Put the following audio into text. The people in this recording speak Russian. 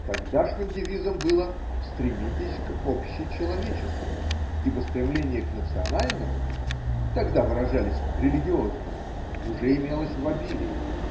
Тогдашним девизом было: стремитесь к общечеловеческому!– ибо стремление к национальному (тогда выражались – религиозному) уже имелось в обилии.